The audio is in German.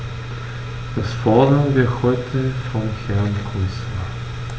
Das fordern wir heute vom Herrn Kommissar.